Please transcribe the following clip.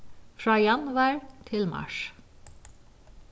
frá januar til mars